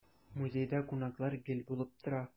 Музейда кунаклар гел булып тора.